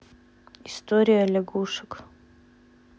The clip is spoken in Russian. история лягушек